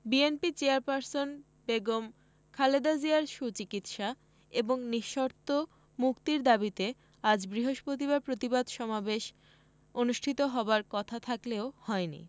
BNP chairperson Begum Khaleda জিয়ার সুচিকিৎসা এবং নিঃশর্ত মুক্তির দাবিতে আজ বৃহস্পতিবার প্রতিবাদ সমাবেশ অনুষ্ঠিত হবার কথা থাকলেও হয়নি